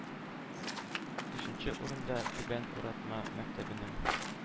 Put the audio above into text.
Өченче урында – Түбән Уратма мәктәбенең